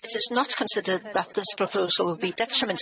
It is not considered that this proposal would be detrimental